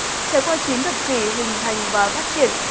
trải qua chín thập kỷ hình thành và phát triển